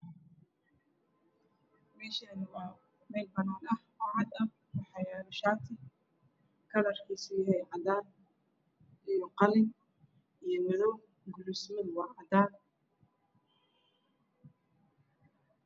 Meeshaan waa meel banaan ah oo cad waxaa yaalo shaati cadaan ah iyo qalin iyo madow kuluustu waa cadaan.